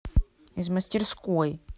из мастерской